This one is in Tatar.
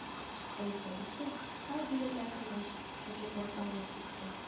Ә иртәгесен хәл белергә кергәч, Шакир дертләп китте